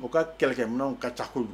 U ka kɛlɛkɛ ninnuw ka ca h